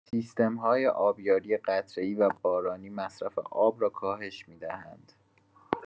سیستم‌های آبیاری قطره‌ای و بارانی مصرف آب را کاهش می‌دهند.